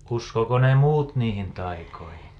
uskoiko ne muut niihin taikoihin